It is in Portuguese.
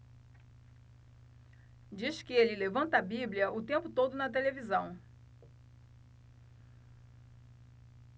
diz que ele levanta a bíblia o tempo todo na televisão